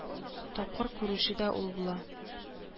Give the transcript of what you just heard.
Тапкыр күрүче дә ул була